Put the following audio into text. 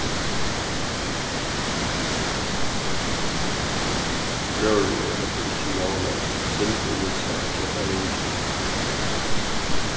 brøðurnir høvdu ikki nóg nógv silvur við sær at keypa ringin